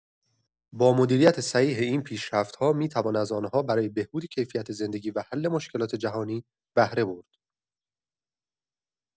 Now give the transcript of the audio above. با مدیریت صحیح این پیشرفت‌ها، می‌توان از آن‌ها برای بهبود کیفیت زندگی و حل مشکلات جهانی بهره برد.